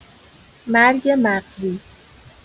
مرگ مغزی